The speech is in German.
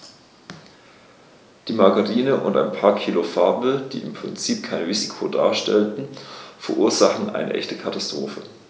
Die Margarine und ein paar Kilo Farbe, die im Prinzip kein Risiko darstellten, verursachten eine echte Katastrophe.